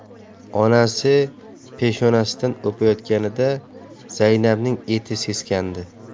onasi peshonasidan o'payotganida zaynabning eti seskandi